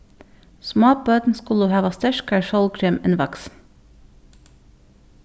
smábørn skulu hava sterkari sólkrem enn vaksin